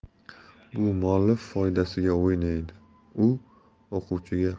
bu muallif foydasiga o'ynaydi u o'quvchiga